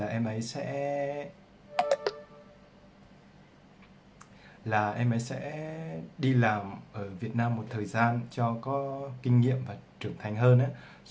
là em ấy sẽ đi làm ở vn một thời gian cho có kinh nghiệm chững chạc hơn